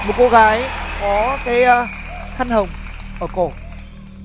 một cô gái có cái khăn hồng ở cổ